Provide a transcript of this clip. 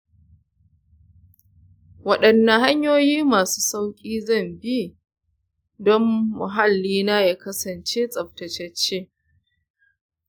waɗanne hanyoyi masu sauƙi zan iya bi don muhallina ya kasance tsaftatacce?